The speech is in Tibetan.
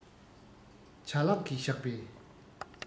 བྱ གླག གིས བཞག པའི